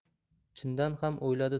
chindan ham o'yladi